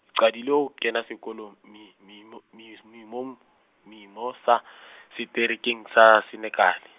qadile ho kena sekolo Mi- Mimo- Mis- Mimom-, Mimosa , seterekeng sa Senekal.